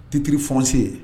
Titre foncier